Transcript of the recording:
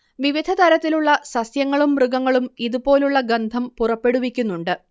വിവിധതരത്തിലുള്ള സസ്യങ്ങളും മൃഗങ്ങളും ഇതു പോലുള്ള ഗന്ധം പുറപ്പെടുവിക്കുന്നുണ്ട്